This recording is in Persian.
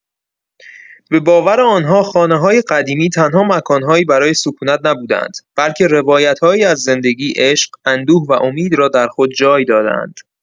به باور آن‌ها، خانه‌های قدیمی تنها مکان‌هایی برای سکونت نبوده‌اند، بلکه روایت‌هایی از زندگی، عشق، اندوه و امید را در خود جای داده‌اند.